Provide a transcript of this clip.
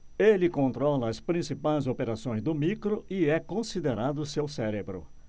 ele controla as principais operações do micro e é considerado seu cérebro